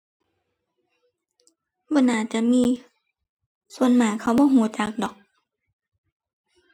บ่น่าจะมี ส่วนมากเขาบ่รู้จักดอก